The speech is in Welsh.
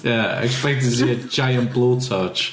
Ia expected to see a giant blowtorch.